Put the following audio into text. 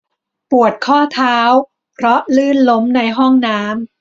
ปวดข้อเท้าเพราะลื่นล้มในห้องน้ำ